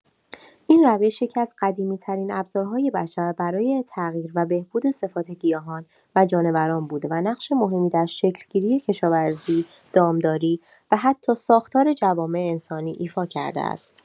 این روش یکی‌از قدیمی‌ترین ابزارهای بشر برای تغییر و بهبود صفات گیاهان و جانوران بوده و نقش مهمی در شکل‌گیری کشاورزی، دامداری و حتی ساختار جوامع انسانی ایفا کرده است.